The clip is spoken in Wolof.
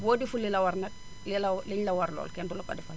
boo deful li la war nag li la li ñu la warlool kenn du la ko defal